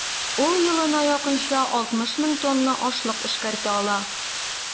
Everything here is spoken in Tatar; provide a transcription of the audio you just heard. Ул елына якынча 60 мең тонна ашлык эшкәртә ала.